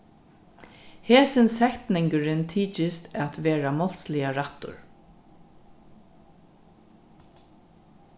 hesin setningurin tykist at vera málsliga rættur